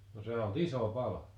no se ollut iso pala